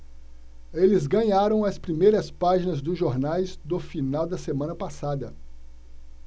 eles ganharam as primeiras páginas dos jornais do final da semana passada